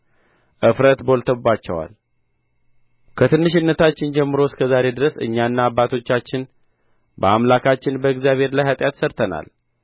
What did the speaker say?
እፍረት በልቶባቸዋል ከትንሽነታችን ጀምሮ እስከ ዛሬ ድረስ እኛና አባቶቻችን በአምላካችን በእግዚአብሔር ላይ ኃጢአት ሠርተናልና